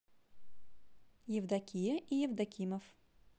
евдокия и евдоким